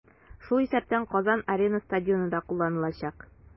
Шул исәптән "Казан-Арена" стадионы да кулланылачак.